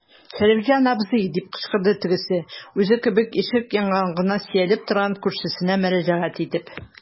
Шәрифҗан абзый, - дип кычкырды тегесе, үзе кебек ишек яңагына сөялеп торган күршесенә мөрәҗәгать итеп.